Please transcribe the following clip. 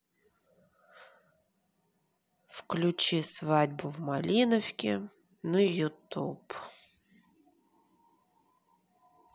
включи свадьбу в малиновке на ютуб